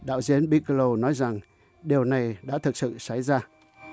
đạo diễn bic ca lô nói rằng điều này đã thực sự xảy ra